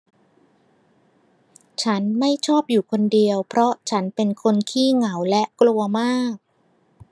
ฉันไม่ชอบอยู่คนเดียวเพราะฉันเป็นคนขี้เหงาและกลัวมาก